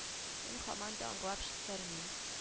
Мин һаман да аңлап җиткермим